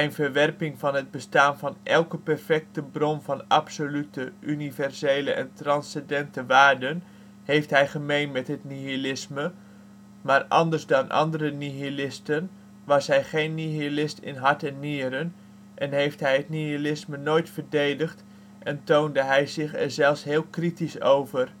verwerping van het bestaan van elke perfecte bron van absolute, universele en transcendentale waarden heeft hij gemeen met het nihilisme, maar anders dan andere nihilisten was hij geen nihilist in hart en nieren en heeft hij het nihilisme nooit verdedigd en toonde hij zich er zelfs heel kritisch over